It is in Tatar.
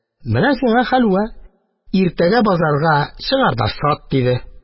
Менә сиңа хәлвә, иртәгә базарга чыгар да сат! – диде